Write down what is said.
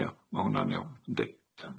Ia ma' hwnna'n iawn yndi?